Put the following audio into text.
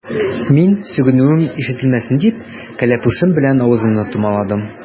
Мин, сүгенүем ишетелмәсен дип, кәләпүшем белән авызымны томаладым.